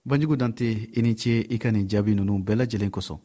banjugu dante i ni ce i ka nin jaabi ninnu bɛɛ lajɛlen kosɔn